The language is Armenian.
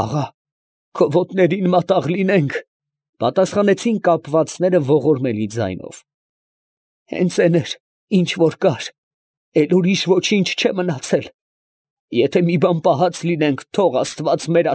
Աղա, քո ոտներին մատաղ լինե՜նք, ֊ պատասխանեցին կապվածները ողորմելի ձայնով. ֊ հենց էն էր, ինչ որ կար. էլ ուրիշ ոչ ինչ չէ մնացել. եթե մի բան պահած լինենք, թո՛ղ աստված մեր։